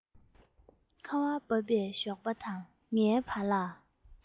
ཁ བ བབས པའི ཞོགས པ དང ངའི བར ལ